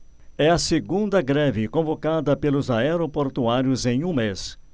é a segunda greve convocada pelos aeroportuários em um mês